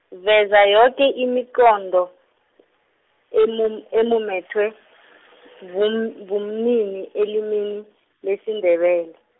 veza yoke imiqondo, emum- emumethwe, bun- bumnini, elimini, Lesindebele.